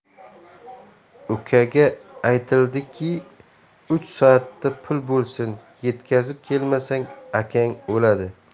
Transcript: ukaga aytildi ki uch soatda pul bo'lsin yetkazib kelmasang akang o'ladi